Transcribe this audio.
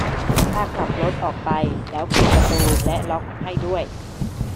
ถ้าขับรถออกไปแล้วปิดประตูและล็อกให้ด้วย